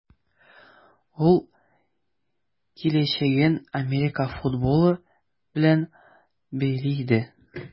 Ул киләчәген Америка футболы белән бәйли иде.